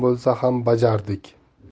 bo'lsa ham bajardik